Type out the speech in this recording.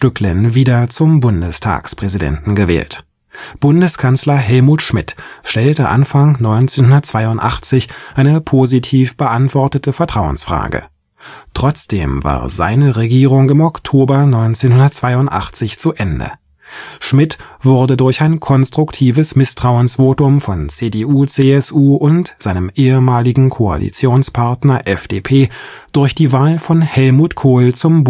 Stücklen wieder zum Bundestagspräsidenten gewählt. Bundeskanzler Helmut Schmidt stellte Anfang 1982 eine positiv beantwortete Vertrauensfrage. Trotzdem war seine Regierung im Oktober 1982 zu Ende: Schmidt wurde durch ein konstruktives Misstrauensvotum von CDU/CSU und seinem ehemaligen Koalitionspartner FDP durch die Wahl von Helmut Kohl zum